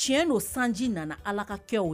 Tiɲɛ don sanji nana ala ka kɛ o ye